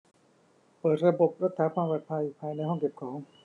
เปิดระบบรักษาความปลอดภัยภายในห้องเก็บของ